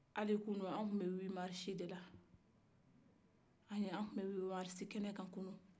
hali kunu an kun bɛ wi marisi la an kun bɛ wi marisi kɛnɛ kan